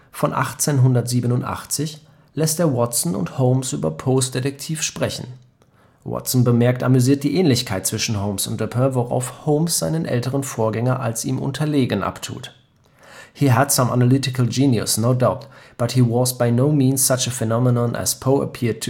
von 1887 lässt er Watson und Holmes über Poes Detektiv sprechen: Watson bemerkt amüsiert die Ähnlichkeit zwischen Holmes und Dupin, woraufhin Holmes seinen älteren Vorgänger als ihm unterlegen abtut: “He had some analytical genius, no doubt; but he was by no means such a phenomenon as Poe appeared to imagine.”